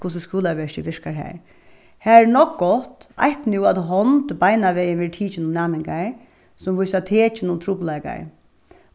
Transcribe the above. hvussu skúlaverkið virkar har har er nógv gott eitt nú at hond beinanvegin verður tikin um næmingar sum vísa tekin um trupulleikar